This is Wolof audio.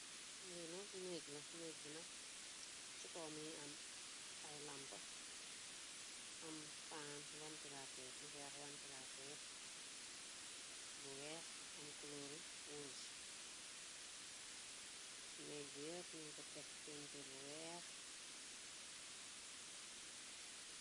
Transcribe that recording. Li nak négg la negg bi nag ci kom gi am ay lampa am faan wantelateer ni weex wantelateer bu weex am kulóoru wurus negg ber ñu ko def pintur bu weex.